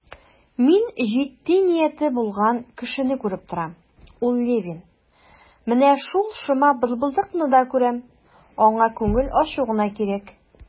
Мин җитди нияте булган кешене күреп торам, ул Левин; менә шул шома бытбылдыкны да күрәм, аңа күңел ачу гына кирәк.